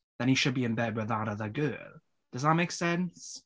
then he should be in bed with that other girl. Does that make sense?